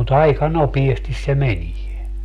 mutta aika nopeasti se menee